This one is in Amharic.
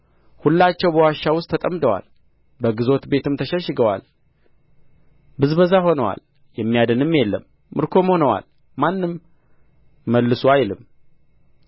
ሁላቸው በዋሻ ውስጥ ተጠምደዋል በግዞት ቤትም ተሸሽገዋል ብዝበዛ ሆነዋል የሚያድንም የለም ምርኮም ሆነዋል ማንም መልሱ አይልም